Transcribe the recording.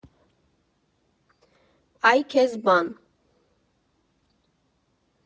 Ա՜յ քեզ բան։